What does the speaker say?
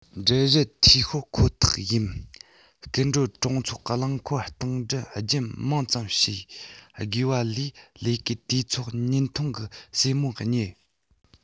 འགྲུལ བཞུད འཐུས ཤོར ཁོ ཐག ཡིན སྐུ མགྲོན གྲོང ཚོ རླངས འཁོར སྟེང འགྲུལ རྒྱུན མང ཙམ བྱེད དགོས པ ལས ལས ཀའི དུས ཚོད ཉིན ཐང གི སྲས མོ རྙེད